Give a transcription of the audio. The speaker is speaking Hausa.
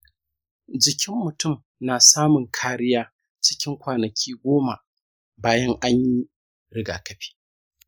jikin mutum na samun kariya cikin kwanaki goma bayan an yi rigakafi.